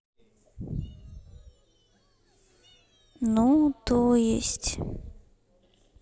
ну то есть